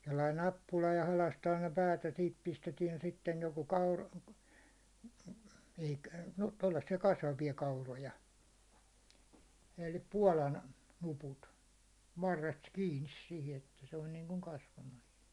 sellainen nappula ja halkaistaan ne päät ja siitä pistetään sitten joko -- no tuollaisia kasvavia kauroja eli puolan nuput varresta kiinni siihen että se on niin kuin kasvamassa